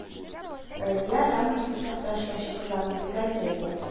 Разия рамочный цехта эшләүче кызларның бригадиры иде